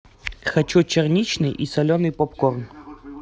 хочу черничный и соленый попкорн